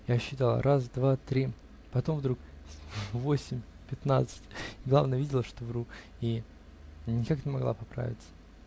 Я считала: раз, два, три, потом вдруг: восемь, пятнадцать и главное -- видела, что вру, и никак не могла поправиться.